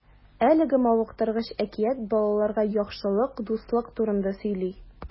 Әлеге мавыктыргыч әкият балаларга яхшылык, дуслык турында сөйли.